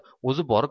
o'zi borib